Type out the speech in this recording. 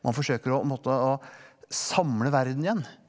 man forsøker å på en måte å samle verden igjen.